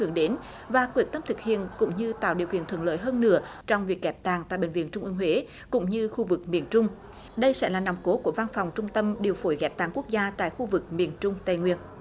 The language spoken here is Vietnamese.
hướng đến và quyết tâm thực hiện cũng như tạo điều kiện thuận lợi hơn nữa trong việc ghép tạng tại bệnh viện trung ương huế cũng như khu vực miền trung đây sẽ là nòng cốt của văn phòng trung tâm điều phối ghép tạng quốc gia tại khu vực miền trung tây nguyên